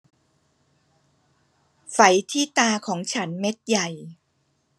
ไฝที่ตาของฉันเม็ดใหญ่